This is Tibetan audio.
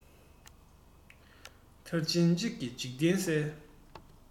མཐར ཕྱིན གཅིག གིས འཇིག རྟེན གསལ